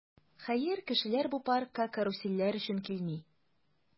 Хәер, кешеләр бу паркка карусельләр өчен килми.